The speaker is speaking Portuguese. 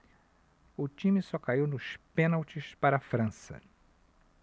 o time só caiu nos pênaltis para a frança